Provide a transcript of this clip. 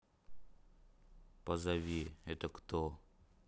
позови это кто